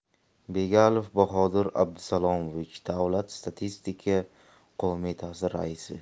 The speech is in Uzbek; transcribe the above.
begalov bahodir abdusalomovich davlat statistika qo'mitasi raisi